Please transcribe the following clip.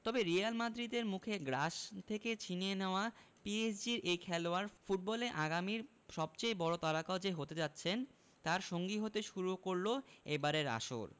তবে রিয়াল মাদ্রিদের মুখে গ্রাস থেকে ছিনিয়ে নেওয়া পিএসজির এই খেলোয়াড় ফুটবলে আগামীর সবচেয়ে বড় তারকা যে হতে যাচ্ছেন তার সাক্ষী হতে শুরু করল এবারের আসর